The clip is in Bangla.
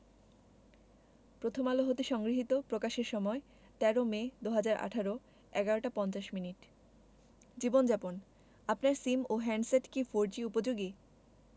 প্রথম আলো হতে সংগৃহীত প্রকাশের সময় ১৩ মে ২০১৮ ১১ টা ৫০ মিনিট জীবনযাপন আপনার সিম ও হ্যান্ডসেট কি ফোরজি উপযোগী